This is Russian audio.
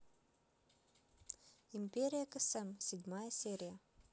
империя кесем седьмая серия